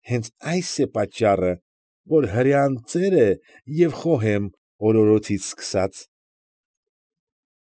Հենց այս է պատճառը, որ հրեան ծեր է և խոհեմ օրորոցից սկսած։